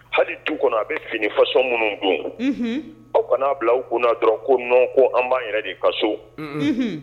Hali du kɔnɔ a bi fini fasɔn munnun dun Unhun aw kana bila anw kunna dɔrɔn ko nɔn ko an ba yɛrɛ de ka so